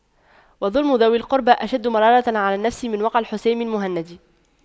وَظُلْمُ ذوي القربى أشد مرارة على النفس من وقع الحسام المهند